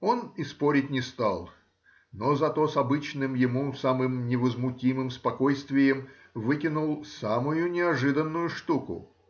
Он и спорить не стал, но зато с обычным ему самым невозмутимым спокойствием выкинул самую неожиданную штуку.